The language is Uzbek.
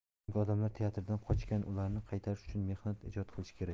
chunki odamlar teatrdan qochgan ularni qaytarish uchun mehnat ijod qilish kerak